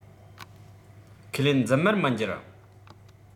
ཁས ལེན རྫུན མར མི འགྱུར